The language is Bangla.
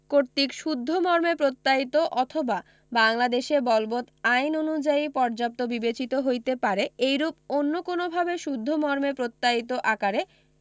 কর্তৃক শুদ্ধ মর্মে প্রত্যায়িত অথবা বাংলাদেশে বলবৎ আইন অনুযায়ী পর্যাপ্ত বিবেচিত হইতে পারে এইরূপ অন্য কোনভাবে শুদ্ধ মর্মে প্রত্যায়িত আকারে